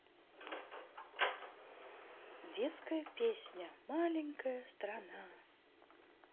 детская песня маленькая страна